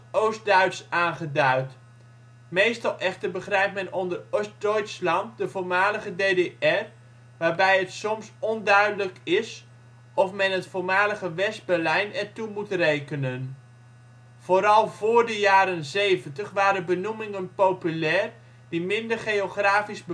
oost-Duits aangeduid. Meestal echter begrijpt men onder Ostdeutschland de voormalige DDR, waarbij het soms onduidelijk is of men het voormalige West-Berlijn ertoe moet rekenen. Vooral vóór de jaren zeventig waren benoemingen populair, die minder geografisch